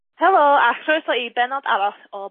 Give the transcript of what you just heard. Helo a chroeso i bennod arall o...